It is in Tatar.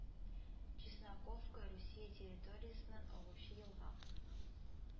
Чесноковка Русия территориясеннән агучы елга